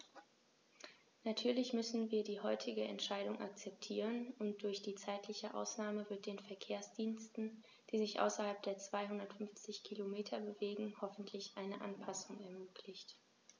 Natürlich müssen wir die heutige Entscheidung akzeptieren, und durch die zeitliche Ausnahme wird den Verkehrsdiensten, die sich außerhalb der 250 Kilometer bewegen, hoffentlich eine Anpassung ermöglicht.